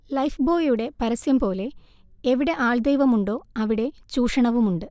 ലൈഫ്ബോയിയുടെ പരസ്യംപോലെ എവിടെ ആൾദൈവമുണ്ടോ അവിടെ ചൂഷണവുമുണ്ട്